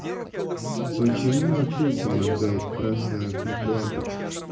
почему на пульте моргает красная лампочка